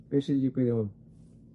Be' sy'n digwydd i 'wn?